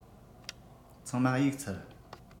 ཚང མ གཡུག ཚར